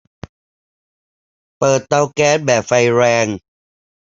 เปิดเตาแก๊สแบบไฟแรง